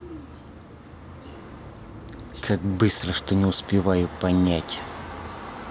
как быстро что не успеваю понять